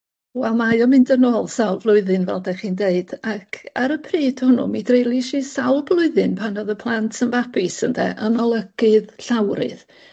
Wel mae o'n mynd yn ôl sawl flwyddyn fel 'dach chi'n deud ac ar y pryd hwnnw mi dreulies i sawl blwyddyn pan o'dd y plant yn babis ynde yn olygydd llawrydd.